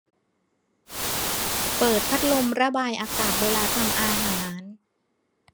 เปิดพัดลมระบายอากาศเวลาทำอาหาร